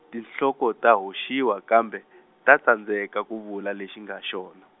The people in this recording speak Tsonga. tinhloko ta hoxiwa kambe ta tsandzeka ku vula lexi nga xona.